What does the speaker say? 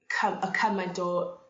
cym- y cymaint o